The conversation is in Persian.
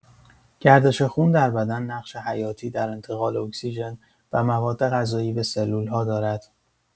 گردش خون در بدن نقش حیاتی در انتقال اکسیژن و موادغذایی به سلول‌ها دارد.